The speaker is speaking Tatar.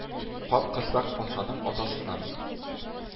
Капкорсак патшаның атасыннан